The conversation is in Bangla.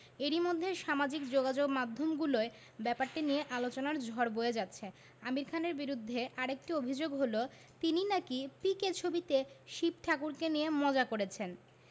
এরই মধ্যে সামাজিক যোগাযোগমাধ্যমগুলোয় ব্যাপারটি নিয়ে সমালোচনার ঝড় বয়ে যাচ্ছে আমির খানের বিরুদ্ধে আরেকটি অভিযোগ হলো তিনি নাকি পিকে ছবিতে শিব ঠাকুরকে নিয়ে মজা করেছেন